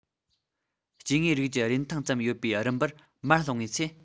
སྐྱེ དངོས རིགས ཀྱི རིན ཐང ཙམ ཡོད པའི རིམ པར མར ལྷུང བའི ཚེ